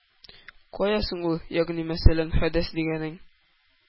Кая соң ул, ягъни мәсәлән, хәдәс дигәнең?